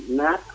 naak